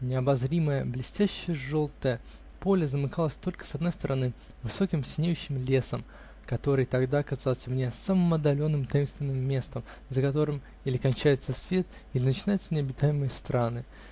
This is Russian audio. Необозримое блестяще-желтое поле замыкалось только с одной стороны высоким синеющим лесом, который тогда казался мне самым отдаленным, таинственным местом, за которым или кончается свет, или начинаются необитаемые страны.